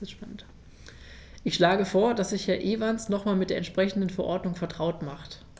Ich schlage vor, dass sich Herr Evans nochmals mit der entsprechenden Verordnung vertraut macht.